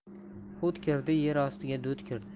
hut kirdi yer ostiga dud kirdi